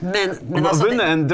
men, men altså det.